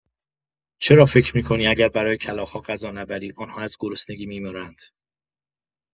چرا فکر می‌کنی اگر برای کلاغ‌ها غذا نبری، آن‌ها از گرسنگی می‌میرند؟!